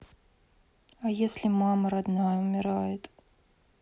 а если мама родная умирает